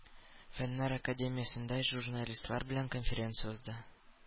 Фәннәр академиясендә журналистлар белән конференция узды.